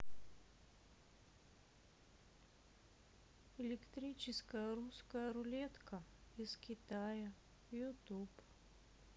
электрическая русская рулетка из китая ютуб